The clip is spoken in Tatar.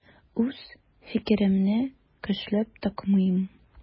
Үз фикеремне көчләп такмыйм.